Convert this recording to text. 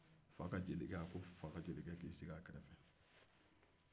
a ka jelikɛ y'i sigi a kɛrɛfɛ